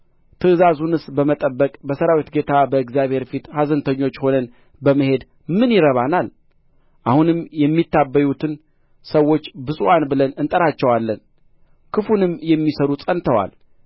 ትእዛዙንስ በመጠበቅ በሠራዊት ጌታ በእግዚአብሔር ፊት ኀዘንተኞች ሆነን በመሄድ ምን ይረባናል አሁንም የሚታበዩትን ሰዎች ብፁዓን ብለን እንጠራቸዋለን ክፉንም የሚሠሩ ጸንተዋል